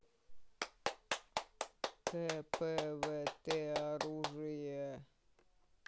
кпвт оружие